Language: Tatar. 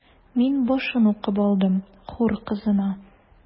Мин башын укып алдым: “Хур кызына”.